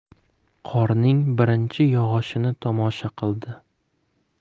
qorning birinchi yog'ishini tomosha qildi